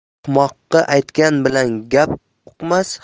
ahmoqqa aytgan bilan gap uqmas